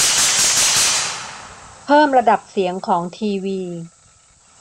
เพิ่มระดับเสียงของทีวี